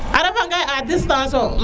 a refa nga ye a distance so